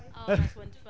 Oh, that's wonderful.